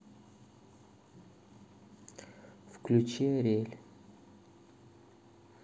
включи ариэль